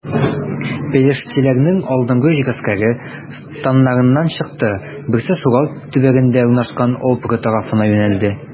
Пелештиләрнең алдынгы өч гаскәре, станнарыннан чыкты: берсе Шугал төбәгендә урнашкан Опра тарафына юнәлде.